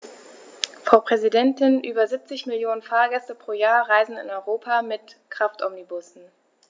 Frau Präsidentin, über 70 Millionen Fahrgäste pro Jahr reisen in Europa mit Kraftomnibussen.